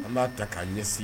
An b'a ta k'a ɲɛsin